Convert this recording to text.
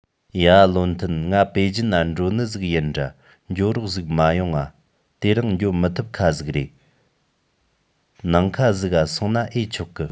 ཡ བློ མཐུན ང པེ ཅིན ན འགྲོ ནི ཟིག ཡིན དྲ འགྱོ རོགས ཟིག མ ཡོང ང དེ རིང འགྱོ མི ཐུབ ཁ ཟིག རེད ནིང ཁ ཟིག ག སོང ན ཨེ ཆོག གི